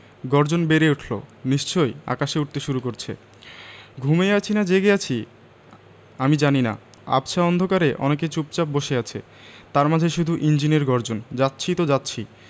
গর্জন বেড়ে উঠলো নিশ্চয়ই আকাশে উড়তে শুরু করছে ঘুমিয়ে আছি না জেগে আছি আমি জানি না আবছা অন্ধকারে অনেকে চুপচাপ বসে আছে তার মাঝে শুধু ইঞ্জিনের গর্জন যাচ্ছি তো যাচ্ছি